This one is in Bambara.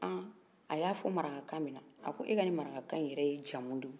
a y'a fɔ maraka min na a k'e ka maraka ni yɛrɛ nye jamu de ye